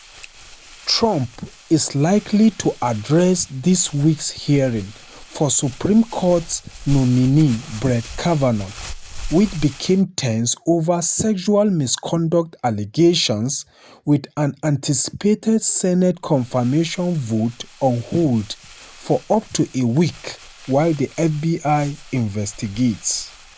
Trump is likely to address this week's hearings for Supreme Court nominee Brett Kavanaugh, which became tense over sexual misconduct allegations with an anticipated Senate confirmation vote on hold for up to a week while the FBI investigates.